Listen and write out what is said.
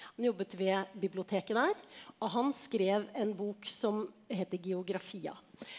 han jobbet ved biblioteket der, og han skrev en bok som heter Geografia.